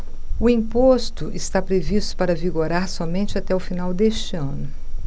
o imposto está previsto para vigorar somente até o final deste ano